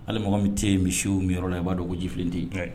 Hali mɔgɔ min tɛ misiw min yɔrɔ la i b'a dɔn ko jifilen tɛ ye